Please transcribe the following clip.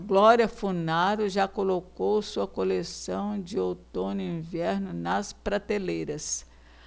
glória funaro já colocou sua coleção de outono-inverno nas prateleiras